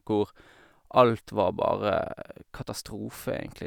Hvor alt var bare katastrofe, egentlig.